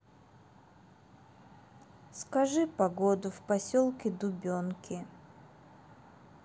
скажи погоду в поселке дубенки